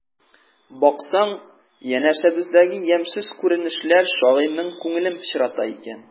Баксаң, янәшәбездәге ямьсез күренешләр шагыйрьнең күңелен пычрата икән.